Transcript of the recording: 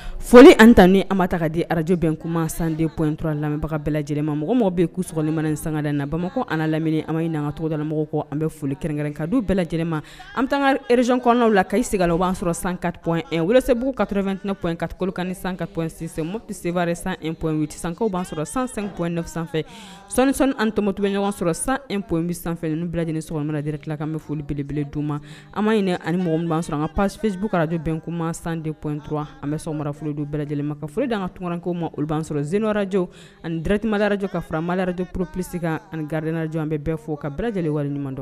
Foli an ta an ma taga di arajobɛn kuma sanden pura lamɛnbaga bɛɛ lajɛlenma mɔgɔ mɔgɔ bɛ kuu sklima in sangad na bamakɔ an lamini an ma ye nacogo dalamɔgɔ kɔ an bɛ foli kɛrɛn ka don bɛɛla lajɛlenma an bɛ taaga rezɔnw la ka i sigi o b' sɔrɔ sankap walasa se kato2tinap in kakulukan2 san kap moti sep san inpti sankaw b'an sɔrɔ san sanp in2 sanfɛ san san an tɔmɔ tu bɛɲɔgɔn sɔrɔ san inp2 sanfɛ2 ni bila lajɛlen s min nadiɛrɛ tila ka bɛ foli belebele du ma an m'a ɲini ani m' sɔrɔ an ka passifesibukarajbɛnk sandenp dɔrɔn an bɛ sɔn marafololi don bɛɛ lajɛlen ma ka foli dan an kakko ma olu b'an sɔrɔ zeoraj ani dɛrɛtimadrajjɔ ka farama yɛrɛre de ppsi ka ani garirdj an bɛɛ fɔ ka bɛɛ lajɛlenwaleɲuman dɔn